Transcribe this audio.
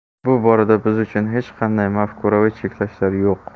bu borada biz uchun hech qanday mafkuraviy cheklashlar yo'q